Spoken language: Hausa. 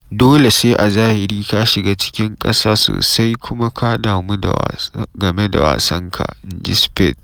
“Dole sai a zahiri ka shiga ciki ƙasa sosai kuma ka damu game da wasanka,” inji Spieth.